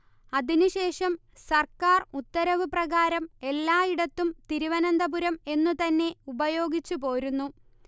അതിനു ശേഷം സർക്കാർ ഉത്തരവു പ്രകാരം എല്ലായിടത്തും തിരുവനന്തപുരം എന്നുതന്നെ ഉപയോഗിച്ചുപോരുന്നു